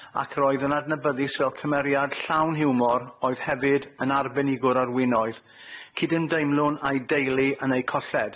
Ac yr oedd yn adnabyddus fel cymeriad llawn hiwmor oedd hefyd yn arbenigwr ar winoedd. Cydymdeimlwn â'i deulu yn eu colled.